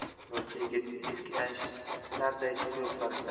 novcha yigit eski tanishlarday quyuq so'rashdi